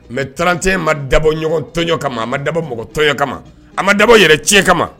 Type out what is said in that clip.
Mɛ trante ma dabɔ ɲɔgɔntɔɔn ka a ma dabɔ mɔgɔ tɔnɔn kama a ma dabɔ yɛrɛ tiɲɛ kama